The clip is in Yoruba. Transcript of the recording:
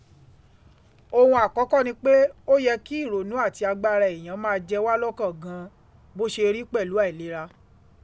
Ohun àkọ́kọ́ ni pé, ó yẹ kí ìrònú àti agbára èèyàn máa jẹ wá lọ́kàn gan an bó ṣe rí pẹ̀lú àìlera.